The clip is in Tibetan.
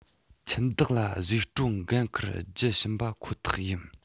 ཁྱིམ བདག ལ བཟོས སྤྲོད འགན འཁུར རྒྱུ བྱིན པ ཁོ ཐག ཡིན